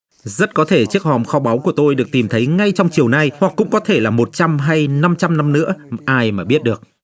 rất có thể chiếc hòm kho báu của tôi được tìm thấy ngay trong chiều nay hoặc cũng có thể là một trăm hay năm trăm năm nữa ai mà biết đượ